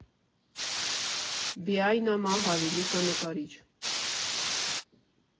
Բիայնա Մահարի, լուսանկարիչ։